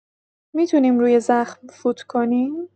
می‌تونیم روی زخم فوت کنیم؟